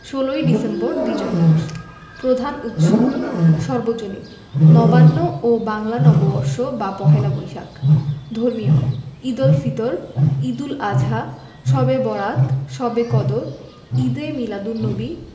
১৬ই ডিসেম্বর বিজয় দিবস প্রধান উৎসবঃ সর্বজনীন নবান্ন ও বাংলা নববর্ষ বা পহেলা বৈশাখ ধর্মীয় ঈদুল ফিত্ র ঈদুল আযহা শবে বরআত শবে কদর ঈদে মীলাদুননবী